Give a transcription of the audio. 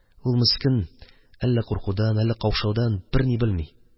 Ул мескен – әллә куркудан, әллә каушаудан – берни белми.